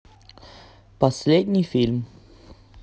последний фильм